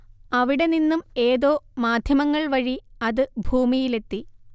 അവിടെ നിന്നും ഏതോ മാധ്യമങ്ങൾ വഴി അത് ഭൂമിയിലെത്തി